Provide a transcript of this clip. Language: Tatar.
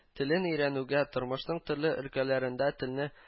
Телен өйрәнүгә, тормышның төрле өлкәләрендә телне